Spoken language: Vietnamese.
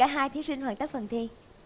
hai thí sinh ở các phần thi